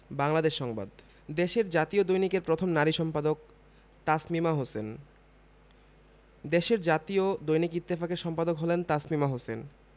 বাংলাদেশ সংবাদ দেশের জাতীয় দৈনিকের প্রথম নারী সম্পাদক তাসমিমা হোসেন দেশের জাতীয় দৈনিক ইত্তেফাকের সম্পাদক হলেন তাসমিমা হোসেন